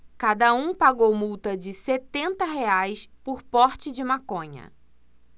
cada um pagou multa de setenta reais por porte de maconha